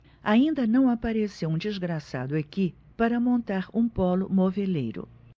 ainda não apareceu um desgraçado aqui para montar um pólo moveleiro